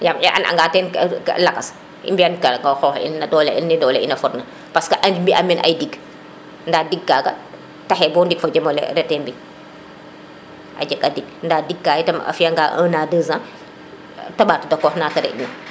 i an anga ten ke lakas i mbiyan na qox in ne dole ina fod na parce que a mbi a men ay dik nda dik kaga taxe bo ndik fojemole rete ɓiña jeg a dik nda dika yo a fiya nga 1 an 2ans te m bato dakox nate re ina